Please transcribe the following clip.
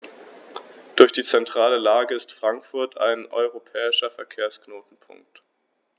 Durch die zentrale Lage ist Frankfurt ein europäischer Verkehrsknotenpunkt.